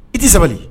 I tɛ sabali